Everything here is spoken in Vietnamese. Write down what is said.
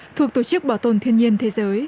thuộc tổ chức bảo tồn thiên nhiên thế giới